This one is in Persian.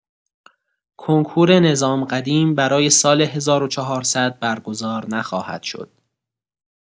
کنکور نظام قدیم برای سال ۱۴۰۰ برگزار نخواهد شد.